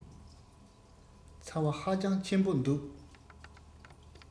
ཚ བ ཧ ཅང ཆེན པོ འདུག